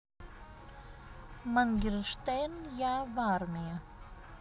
morgenshtern я в армии